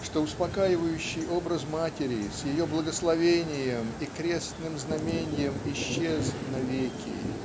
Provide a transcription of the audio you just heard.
что успокаивающий образ матери с ее благословением и крестным знаменьем исчез навеки